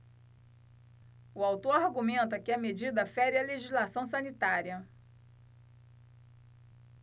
o autor argumenta que a medida fere a legislação sanitária